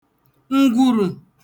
ǹgwùrù